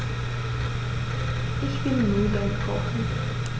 Ich will Nudeln kochen.